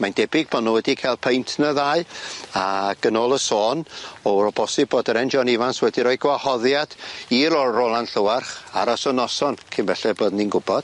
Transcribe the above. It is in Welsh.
Mae'n debyg bo' nw wedi ca'l peint ne' ddau ag yn ôl y sôn o'r o bosib bod yr 'en John Ivans wedi roi gwahoddiad i'r Ro- Roland Llywarch aros y noson cyn belled bod ni'n gwbod.